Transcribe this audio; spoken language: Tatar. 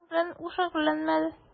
Табыш белән ул шөгыльләнмәде.